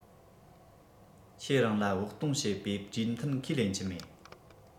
ཁྱེད རང ལ བོགས གཏོང བྱེད པའི གྲོས མཐུན ཁས ལེན གྱི མེད